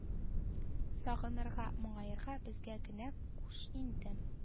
Сагынырга моңаерга безгә генә куш инде